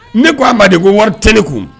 Ne ko' a ma de ko wari tɛ ne kun